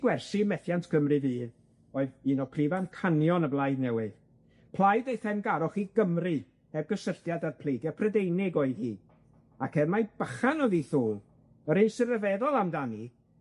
gwersi methiant Cymru Fydd oedd un o prif amcanion y Blaid Newydd, plaid a'i theyrngarwch i Gymru heb gysylltiad â'r pleidia' Prydeinig oedd hi, ac er mai bychan o'dd 'i sy ryfeddol amdani